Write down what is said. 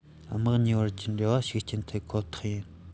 དམག གཉིས དབར གྱི འབྲེལ བ ཤུགས རྐྱེན ཐེབ ཁོ ཐག ཡིན